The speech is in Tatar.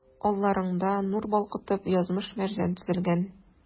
Алларыңда, нур балкытып, язмыш-мәрҗән тезелгән.